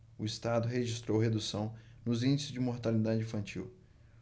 o estado registrou redução nos índices de mortalidade infantil